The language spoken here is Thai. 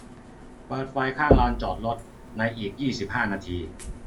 เปิดไฟข้างลานจอดรถในอีกยี่สิบห้านาที